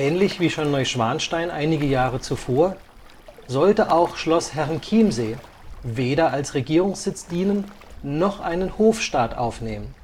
Ähnlich wie schon Neuschwanstein einige Jahre zuvor, sollte auch Schloss Herrenchiemsee weder als Regierungssitz dienen, noch einen Hofstaat aufnehmen